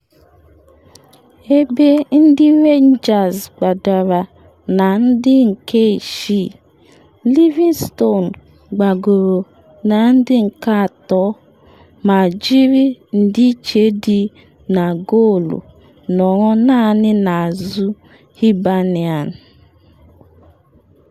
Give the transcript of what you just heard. Ebe ndị Rangers gbadara na ndị nke isii, Linvingston gbagoro na ndị nke atọ ma jiri ndịiche dị na goolu nọrọ naanị n’azụ Hibernian.